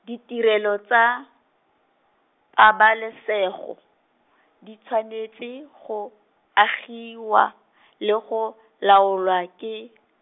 ditirelo tsa, pabalesego di tshwanetse go agiwa , le go laolwa ke .